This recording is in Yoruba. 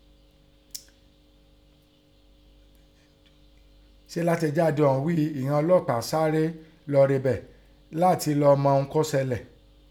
Se làtẹ̀jáde ọ̀ún ghíi ìghọn ọlọ́pàá sáré lọ rebẹ̀ láti làa mọ ihun kó sẹlẹ̀.